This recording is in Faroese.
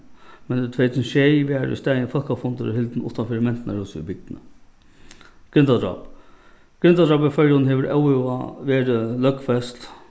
men í tvey túsund og sjey varð í staðin fólkafundur hildin uttan fyri mentanarhúsið í bygdini grindadráp grindadráp í føroyum hevur óivað verið løgfest